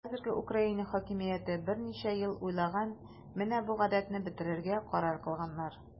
Хәзерге Украина хакимияте берничә ел уйлаган, менә бу гадәтне бетерергә карар кылганнар.